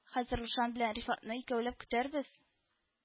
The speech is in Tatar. Хәзер Рушан белән Рифатны икәүләп көтәрбез